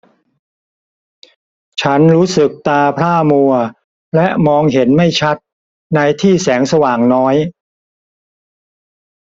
ฉันรู้สึกตาพร่ามัวและมองเห็นไม่ชัดในที่แสงสว่างน้อย